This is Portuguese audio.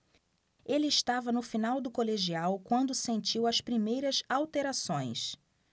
ele estava no final do colegial quando sentiu as primeiras alterações